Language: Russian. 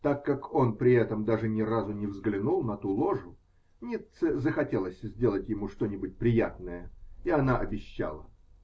Так как он при этом даже ни разу не взглянул на ту ложу, Ницце захотелось сделать ему что-нибудь приятное, и она обещала.